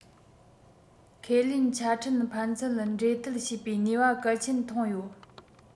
ཁས ལེན ཆ འཕྲིན ཕན ཚུན འབྲེལ མཐུད བྱེད པའི ནུས པ གལ ཆེན ཐོན ཡོད